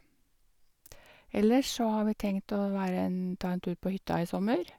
Ellers så har vi tenkt å være en ta en tur på hytta i sommer.